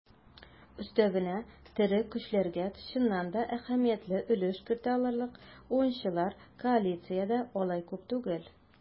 Өстәвенә, тере көчләргә чыннан да әһәмиятле өлеш кертә алырлык уенчылар коалициядә алай күп түгел.